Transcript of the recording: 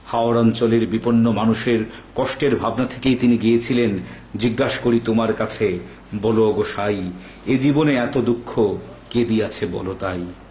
হাওর অঞ্চলের বিপন্ন মানুষের কষ্টের ভাবনা থেকে তিনি গিয়েছিলেন জিজ্ঞেস করি তোমার কাছে বলো ওগো সাঁই এ জীবনে এত দুঃখ কে দিয়াছে বলো তাই